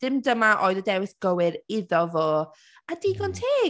Dim dyma oedd y dewis gywir iddo fo, a digon teg.